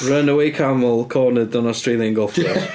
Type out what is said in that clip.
Runaway camel cornered on Australian golf course.